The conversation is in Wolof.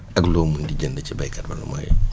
ak loo mun di jënd ci béykat ma ne mooy